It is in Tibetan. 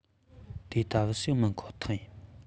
དེ ལྟ བུ ཞིག མིན ཁོ ཐག ཡིན